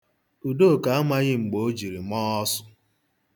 Udoka amaghị mgbe o jiri maa ọsụ.